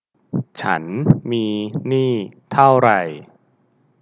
ฉันมีหนี้เท่าไหร่